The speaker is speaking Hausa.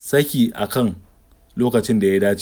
3. Saki a kan lokacin da ya dace.